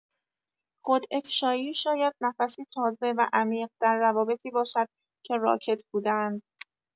خودافشایی شاید نفسی تازه و عمیق در روابطی باشد که راکد بوده‌اند.